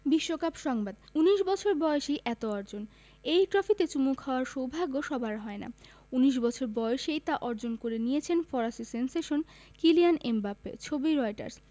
বিশ্বকাপ সংবাদ ১৯ বছর বয়সেই এত অর্জন এই ট্রফিতে চুমু খাওয়ার সৌভাগ্য সবার হয় না ১৯ বছর বয়সেই তা অর্জন করে নিয়েছেন ফরাসি সেনসেশন কিলিয়ান এমবাপ্পে ছবি রয়টার্স